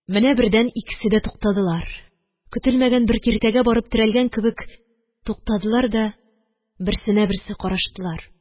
Менә бердән икесе дә туктадылар. Көтелмәгән бер киртәгә барып терәлгән кебек туктадылар да берсенә берсе караштылар.